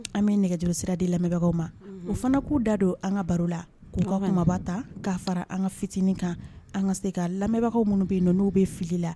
An bɛ nɛgɛjɛsira di lamɛnbagaw ma o fana k'u da don an ka baro la k'u ka kumaba ta k'a fara an ka fitinin kan an ka se ka lamɛnbagaw minnu bɛ yen n'u bɛ fili la